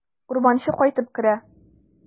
Урманчы кайтып керә.